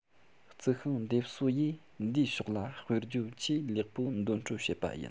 རྩི ཤིང འདེབས གསོ ཡིས འདིའི ཕྱོགས ལ དཔེར བརྗོད ཆེས ལེགས པོ འདོན སྤྲོད བྱེད པ ཡིན